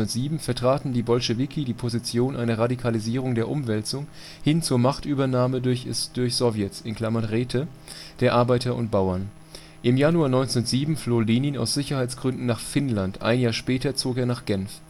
1907 vertraten die Bolschewiki die Position einer Radikalisierung der Umwälzung, hin zur Machtübernahme durch Sowjets (Räte) der Arbeiter und Bauern. Im Januar 1907 floh Lenin aus Sicherheitsgründen nach Finnland, ein Jahr später zog er nach Genf